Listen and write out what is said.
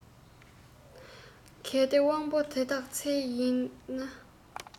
གལ ཏེ དབང པོ འདི དག ཚད ཡིན ན